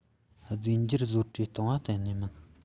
རྫས འགྱུར བཟོ གྲྭས བཏང པ གཏན ནས མིན